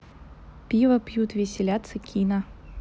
пиво пьют веселятся kina